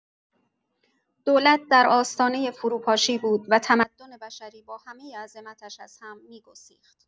دولت در آستانه فروپاشی بود و تمدن بشری با همه عظمتش از هم می‌گسیخت.